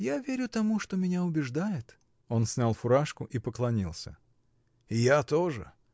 — Я верю тому, что меня убеждает. Он снял фуражку и поклонился. — И я тоже.